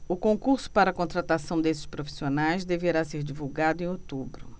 o concurso para contratação desses profissionais deverá ser divulgado em outubro